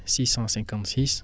656